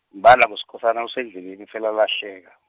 mbala boSkhosana usendleleni selalahleka.